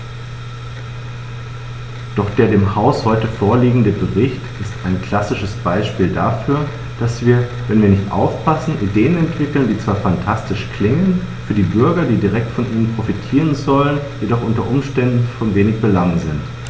Doch der dem Haus heute vorliegende Bericht ist ein klassisches Beispiel dafür, dass wir, wenn wir nicht aufpassen, Ideen entwickeln, die zwar phantastisch klingen, für die Bürger, die direkt von ihnen profitieren sollen, jedoch u. U. von wenig Belang sind.